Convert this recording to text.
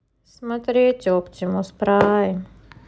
смотреть оптимус прайм